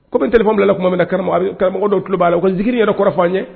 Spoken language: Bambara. Kɔmi terielibɔnla tuma min na karamɔgɔmɔgɔ dɔw tulo b'a ko ni yɛrɛ kɔrɔ' an ye